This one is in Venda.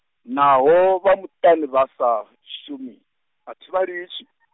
naho vha muṱani vhasa, shumi, a thi vha litshi .